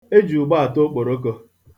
E ji ụgba ata okporoko.